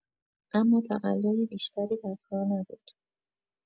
اما تقلای بیشتری در کار نبود.